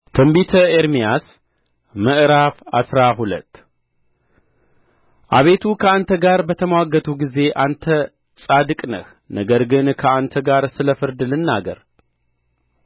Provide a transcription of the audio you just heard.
ትንቢተ ኤርምያስ ምዕራፍ አስራ ሁለት አቤቱ ከአንተ ጋር በተምዋገትሁ ጊዜ አንተ ጻድቅ ነህ ነገር ግን ከአንተ ጋር ስለ ፍርድ ልናገር